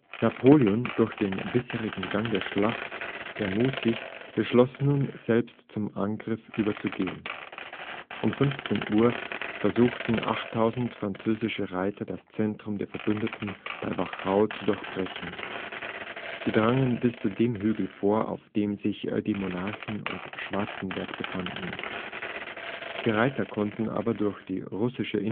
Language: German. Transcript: Napoleon, durch den bisherigen Gang der Schlacht ermutigt, beschloss nun, selbst zum Angriff überzugehen. Um 15 Uhr versuchten 8.000 französische Reiter, das Zentrum der Verbündeten bei Wachau zu durchbrechen. Sie drangen bis zu dem Hügel vor, auf dem sich die Monarchen und Schwarzenberg befanden. Die Reiter konnten aber durch die russische